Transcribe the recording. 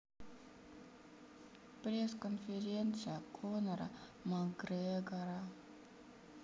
пресс конференция конора макгрегора